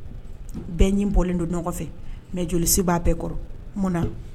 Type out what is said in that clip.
Bɛn' bɔlen don fɛ mɛ joli b'a bɛɛ kɔrɔ munna na